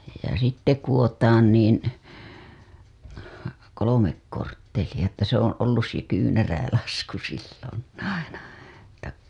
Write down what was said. ja sitten kudotaan niin kolme korttelia että se on ollut se kyynärälasku silloin aina että